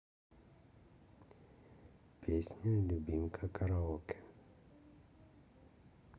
песня любимка караоке